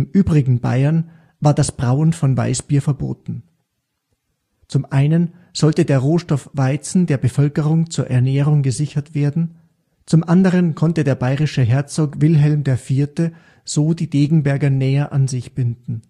übrigen Bayern war das Brauen von Weißbier verboten. Zum einen sollte der Rohstoff Weizen der Bevölkerung zur Ernährung gesichert werden, zum anderen konnte der bayerische Herzog Wilhelm IV. so die Degenberger näher an sich binden